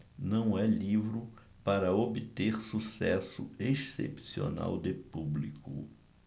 não é livro para obter sucesso excepcional de público